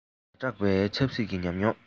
ཛ བསགས པའི ཆབ སྲིད ཀྱི ཉམས མྱོང